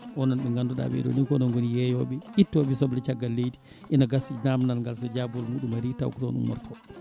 wonande ɓe ganduɗa ɓeeɗo ni ko onon gooni yeeyoɓe ittoɓe soble caggal leydi ene gasa namdal ngal so jabuwol mum taw ko toon ummoto